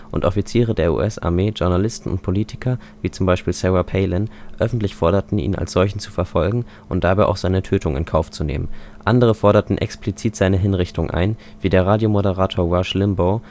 und Offiziere der US-Armee, Journalisten und Politiker wie z. B. Sarah Palin öffentlich forderten, ihn als solchen zu verfolgen, und dabei auch seine Tötung in Kauf zu nehmen. Andere forderten explizit seine Hinrichtung ein, wie der Radiomoderator Rush Limbaugh